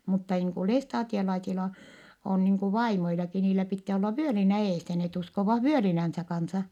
mutta niin kuin lestadiolaisilla on niin kuin vaimoillakin niillä pitää olla vyölinä edessä ne uskovat vyölinänsä kanssa